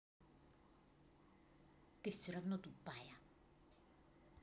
ты все равно тупая